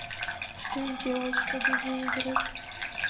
что сделать чтобы выиграть